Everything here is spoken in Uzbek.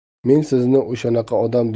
men sizni o'shanaqa odam